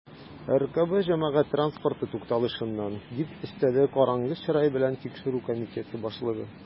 "ркб җәмәгать транспорты тукталышыннан", - дип өстәде караңгы чырай белән тикшерү комитеты башлыгы.